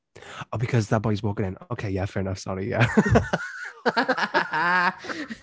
Oh, because that boy’s walking in, okay, yeah, fair enough sorry, yeah.